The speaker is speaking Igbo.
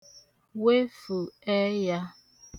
wefụ ẹyā